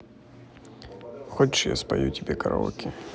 хочешь я тебе спою караоке